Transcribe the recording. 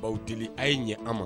B'aw deeli a' ye ɲɛ anw ma.